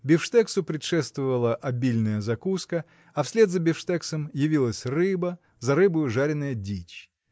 Бифстексу предшествовала обильная закуска, а вслед за бифстексом явилась рыба, за рыбой жареная дичь.